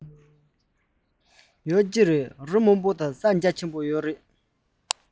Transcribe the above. ཡོད ཀྱི རེད རི མང པོ དང ས རྒྱ ཆེན པོ རེད པ